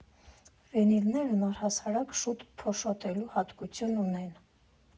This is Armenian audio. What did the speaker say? Վինիլներն առհասարակ շուտ փոշոտվելու հատկություն ունեն։